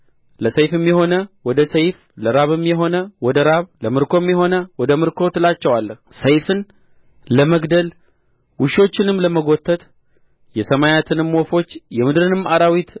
ለሰይፍም የሆነ ወደ ሰይፍ ለራብም የሆነ ወደ ራብ ለምርኮም የሆነ ወደ ምርኮ ትላቸዋለህ ሰይፍን ለመግደል ውሾችንም ለመጐተት የሰማያትንም ወፎች የምድርንም አራዊት